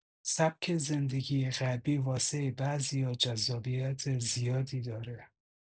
سبک زندگی غربی واسه بعضیا جذابیت زیادی داره.